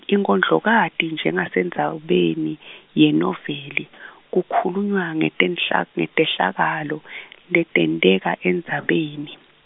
Inkondlokati njengasendzabeni yenoveli, kukhulunywa tenhla ngetehlakalo, letenteka endzabeni.